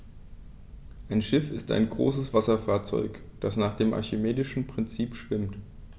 Ein Schiff ist ein größeres Wasserfahrzeug, das nach dem archimedischen Prinzip schwimmt.